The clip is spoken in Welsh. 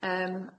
Yym.